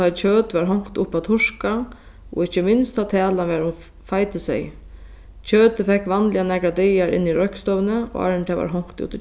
tá ið kjøt varð hongt upp at turka og ikki minst tá talan var um feitiseyð kjøtið fekk vanliga nakrar dagar inni í roykstovuni áðrenn tað varð hongt út í